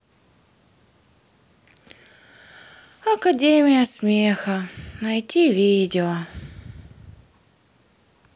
академия смеха найти видео